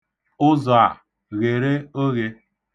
Ụzọ a, ghere oghe!